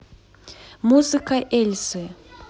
музыка эльзы